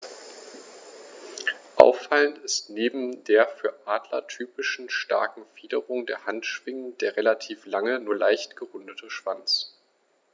Auffallend ist neben der für Adler typischen starken Fingerung der Handschwingen der relativ lange, nur leicht gerundete Schwanz.